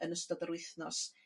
yn ystod yr wythnos